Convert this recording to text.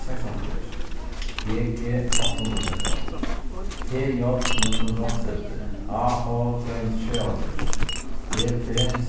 seksoghálvfjerðs g g átta hundrað og seksoghálvfjerðs t j níggju hundrað og áttaogtretivu a h tvey hundrað og sjeyoghálvfjerðs d p